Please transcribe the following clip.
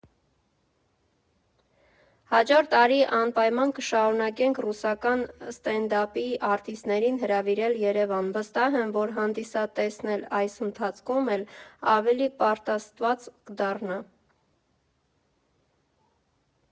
Հաջորդ տարի անպայման կշարունակենք ռուսական սթենդափի արտիստներին հրավիրել Երևան, վստահ եմ, որ հանդիսատեսն էլ այս ընթացքում էլ ավելի պարտաստված կդառնա։